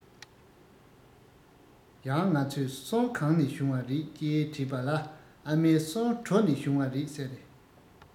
ཡང ང ཚོས སོན གང ནས བྱུང བ རེད ཅེས དྲིས པ ལ ཨ མས སོན གྲོ ནས བྱུང བ རེད ཟེར